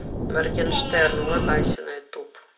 моргенштерн улыбайся на ютуб